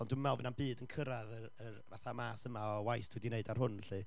Ond dwi'm yn meddwl fydd na'm byd yn cyrraedd yr, yr fatha, math yma o waith dwi 'di wneud ar hwn 'lly.